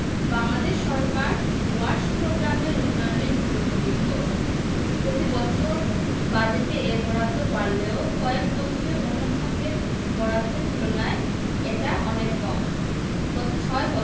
তিনি বলেন বাংলাদেশ সরকার ওয়াশ প্রোগ্রামের উন্নয়নে দৃঢ়প্রতিজ্ঞ প্রতিবছর বাজেটে এর বরাদ্দ বাড়লেও কয়েক বছরে অন্য খাতের বরাদ্দের তুলনায় এটা অনেক কম